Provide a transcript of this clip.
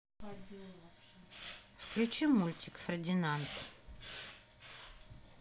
включи мультик фердинанд